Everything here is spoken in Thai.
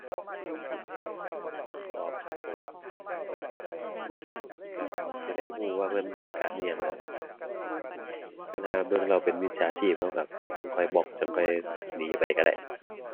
ตอบครับผม ก็สิได้ก็ว่าเพิ่นต้องการอิหยังแหล้ว คันห่าเบิ่งแล้วเป็นมิจฉาชีพก็ก็จั่งค่อยบล็อก จั่งค่อยหนีไปก็ได้